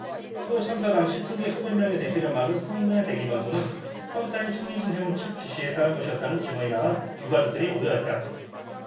또 참사 당시 승객 수백 명의 대피를 막은 선내 대기방송은 선사인 청해진 해운 측 지시에 따른 것이었다는 증언이 나와 유가족들이 오열했다